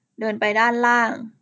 เดินไปด้านล่าง